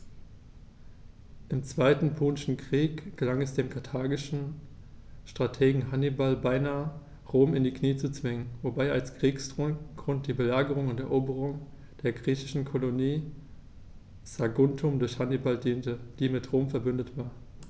Im Zweiten Punischen Krieg gelang es dem karthagischen Strategen Hannibal beinahe, Rom in die Knie zu zwingen, wobei als Kriegsgrund die Belagerung und Eroberung der griechischen Kolonie Saguntum durch Hannibal diente, die mit Rom „verbündet“ war.